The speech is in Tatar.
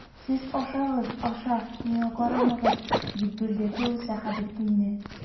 Сез ашагыз, аша, миңа карамагыз,— дип бүлдерде ул Сәхәбетдинне.